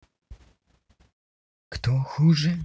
кто хуже